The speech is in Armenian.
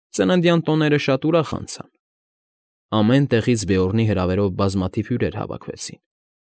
Ծննդյան տոները շատ ուրախ անցան, ամեն տեղից Բեորնի հրավերով բազմաթիվ հյուրեր հավաքվեցին։